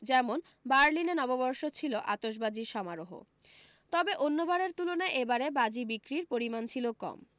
যেমন বারলিনে নববর্ষে ছিল আতসবাজীর সমারোহ তবে অন্য বারের তুলনায় এ বারে বাজি বিক্রির পরিমাণ ছিল কম